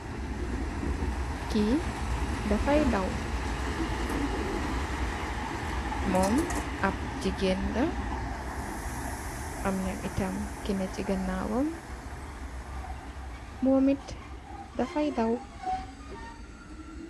Ki dafai daw momm ap jigeen la amna aii tam kinee si ganawam momit dafai daw.